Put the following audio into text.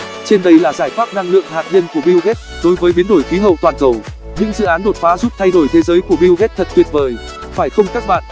trên đây là giải pháp năng lượng hạt nhân của bill gates đối với biến đổi khí hậu toàn cầu những dự án đột phá giúp thay đổi thế giới của bill gates thật tuyệt vời phải không các bạn